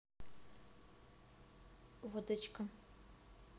водочка